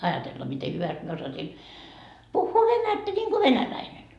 ajatella miten hyvästi minä osasin puhua venättä niin kuin venäläinen